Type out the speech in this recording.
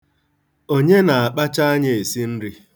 Onye na-akpacha anya esi nri?